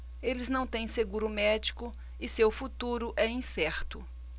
eles não têm seguro médico e seu futuro é incerto